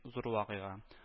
Зур вакыйга